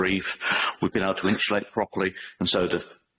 breathe we've been able to insulate properly and so that